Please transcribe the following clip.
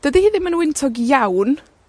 Dydi hi ddim yn wyntog iawn,